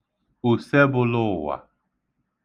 Osebūlụ̄ụ̀wà